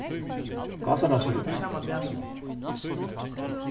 gásadalsvegur